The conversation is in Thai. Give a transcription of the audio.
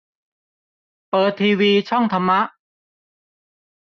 เปิดทีวีช่องธรรมะ